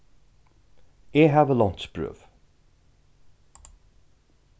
eg havi lánsbrøv